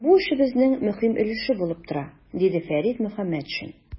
Бу эшебезнең мөһим өлеше булып тора, - диде Фәрит Мөхәммәтшин.